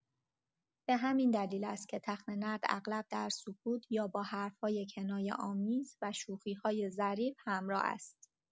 به همین دلیل است که تخته‌نرد اغلب در سکوت یا با حرف‌های کنایه‌آمیز و شوخی‌های ظریف همراه است.